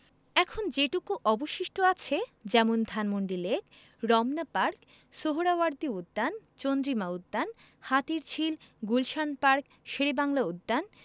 এখন যেটুকু অবশিষ্ট আছে যেমন ধানমন্ডি লেক রমনা পার্ক সোহ্রাওয়ার্দী উদ্যান চন্দ্রিমা উদ্যান হাতিরঝিল গুলশান পার্ক শেরেবাংলা উদ্যান